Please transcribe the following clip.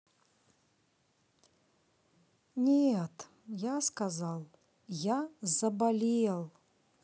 нет я сказал я заболел